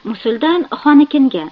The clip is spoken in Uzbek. musuldan xonikinga